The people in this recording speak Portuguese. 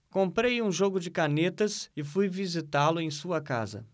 comprei um jogo de canetas e fui visitá-lo em sua casa